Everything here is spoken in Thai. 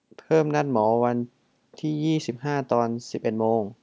เพิ่มนัดหมอวันที่ยี่สิบห้าตอนสิบเอ็ดโมง